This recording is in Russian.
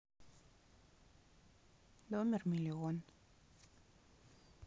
домер миллион